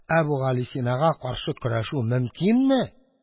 Әбүгалисинага каршы көрәшү мөмкинме?